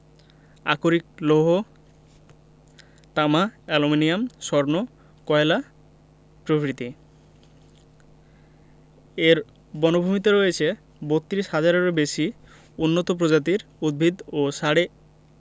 আকরিক লৌহ তামা অ্যালুমিনিয়াম স্বর্ণ কয়লা প্রভৃতি এর বনভূমিতে রয়েছে ৩২ হাজারেরও বেশি উন্নত প্রজাতির উদ্ভিত ও সাড়ে